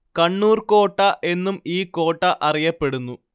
കണ്ണൂര്‍ കോട്ട എന്നും ഈ കോട്ട അറിയപ്പെടുന്നു